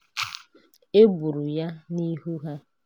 E gburu ya n'ihu ha.